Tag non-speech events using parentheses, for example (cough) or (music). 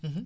(hesitation) (hesitation)